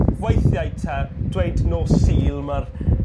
weithiau 'te dweud nos Sul ma'r